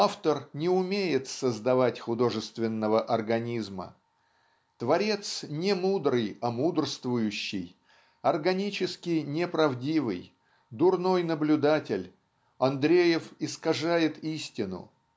автор не умеет создавать художественного организма. Творец не мудрый а мудрствующий органически неправдивый дурной наблюдатель Андреев искажает истину